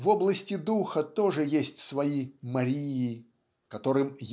В области духа тоже есть свои Марии, которым